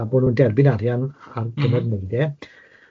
...a bod nhw'n derbyn arian ar mwyn neud e... M-hm.